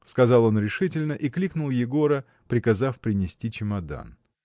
— сказал он решительно и кликнул Егора, приказав принести чемодан.